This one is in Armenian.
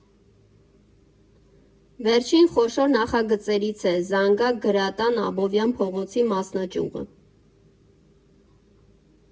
Վերջին խոշոր նախագծերից է «Զանգակ» գրատան Աբովյան փողոցի մասնաճյուղը։